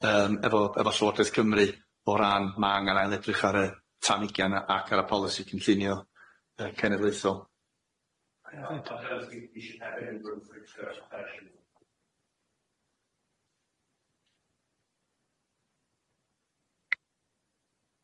yym efo efo Llywodraeth Cymru o ran ma' angan ail edrych ar y tanugian a- ac ar y polisi cynllunio yy cenedlaethol.